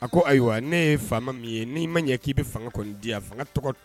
Ayiwa ne ma ɲɛ k'